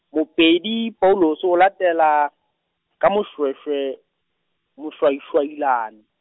Mopeli Paulus a latela, ka Moshoeshoe, Moshoashoailane.